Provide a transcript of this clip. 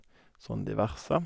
Sånn diverse.